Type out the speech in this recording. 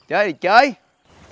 chơi thì chơi